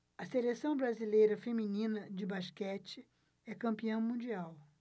a seleção brasileira feminina de basquete é campeã mundial